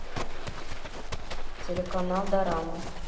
телеканал дорама